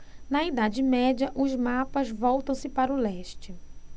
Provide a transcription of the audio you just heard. na idade média os mapas voltam-se para o leste